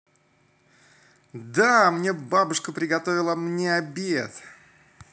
да мне бабушка приготовила мне обед